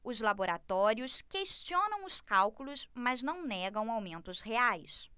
os laboratórios questionam os cálculos mas não negam aumentos reais